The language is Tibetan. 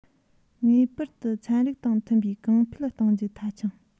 ངེར པར དུ ཚན རིག དང མཐུན པའི གོང འཕེལ གཏོང རྒྱུ མཐའ འཁྱོངས